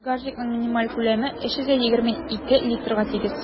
Багажникның минималь күләме 322 литрга тигез.